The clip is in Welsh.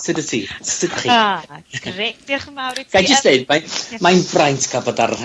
Sud wt ti? Sud 'dach chi? A grêt diolch yn fawr i ti... Ga'i jyst deud mae, mae'n braint ca'l fod ar y